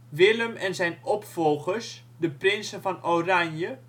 Willem en zijn opvolgers, de Prinsen van Oranje